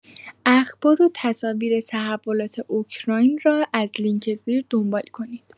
اخبار و تصاویر تحولات اوکراین را از لینک زیر دنبال کنید.